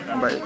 mbay